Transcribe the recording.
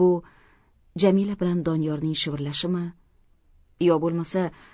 bu jamila bilan doniyorning shivirlashimi yo bo'lmasa